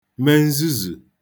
me nzuzù